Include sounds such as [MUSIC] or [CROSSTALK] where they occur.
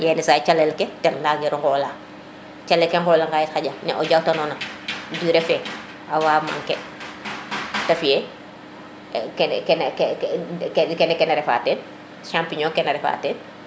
yenisay calel ke den nangeru ŋola calel ke ŋola ŋa itam ne jawta nona durer fe awa manquer [NOISE] te fiye kene kene kene ke na refa teen champillons ke na ndefa teen